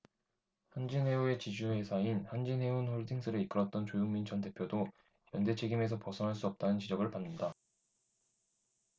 한진해운의 지주회사인 한진해운홀딩스를 이끌었던 조용민 전 대표도 연대 책임에서 벗어날 수 없다는 지적을 받는다